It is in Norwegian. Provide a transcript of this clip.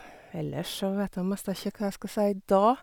Eller så vet jeg nesten ikke hva jeg skal si da.